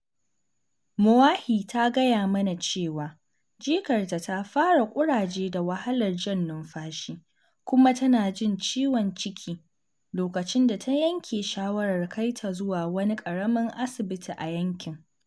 Moahi ta gaya mana cewa jikarta ta fara ƙuraje da wahalar jan numfashi, kuma tana jin ciwon ciki lokacin da ta yanke shawarar kai ta zuwa wani ƙaramin asibiti a yankin.